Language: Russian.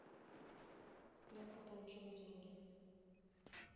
ленка получила деньги